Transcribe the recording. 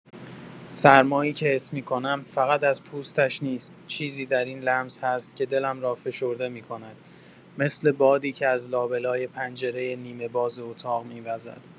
سرمایی که حس می‌کنم، فقط از پوستش نیست، چیزی در این لمس هست که دلم را فشرده می‌کند، مثل بادی که از لابه‌لای پنجرۀ نیمه‌باز اتاق می‌وزد.